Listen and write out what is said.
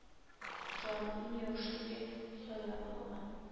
Шуларның иң яхшы е сайлап алынган